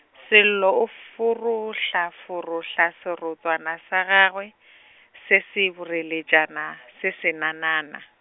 Sello o forohlaforohla serotswana sa gagwe , se se boreletšana, se senanana.